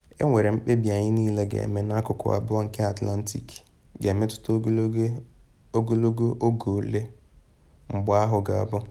Na 1938, ndị ọrụ Germany dị njikere ịnapụ ọchịchị n’aka Hitler, ọ bụrụ na Ọdịda Anyanwụ gbochiri ya ma kwadobe ndị Czechoslovaks na Munich.